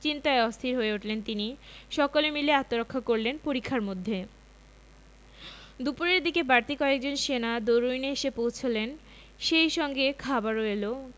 চিন্তায় অস্থির হয়ে উঠলেন তিনি সকলে মিলে আত্মরক্ষা করলেন পরিখার মধ্যে দুপুরের দিকে বাড়তি কয়েকজন সেনা দরুইনে এসে পৌঁছালেন সেই সঙ্গে খাবারও এলো